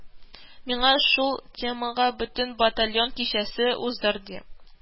Миңа шул темага бөтен батальон кичәсе уздыр, ди